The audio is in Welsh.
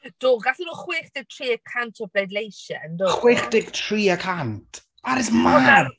Do, gathon nhw chwech deg tri y cant o bleidleisiau, yndo?... Chwech deg tri y cant! that is mad .